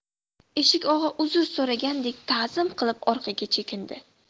eshik og'a uzr so'ragandek tazim qilib orqaga chekindi